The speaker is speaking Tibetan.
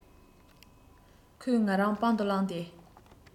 ཁོས ང རང པང དུ བླངས ཏེ